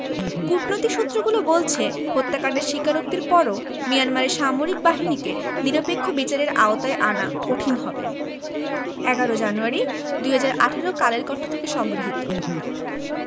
কূটনৈতিক সূত্রগুলো বলছে হত্যাকাণ্ডের স্বীকারোক্তির পরও মিয়ানমারের সামরিক বাহিনীকে নিরপেক্ষ বিচারের আওতায় আনা কঠিন হবে ১১ জানুয়ারি ২০১৮ কালের কন্ঠ থেকে সংগৃহীত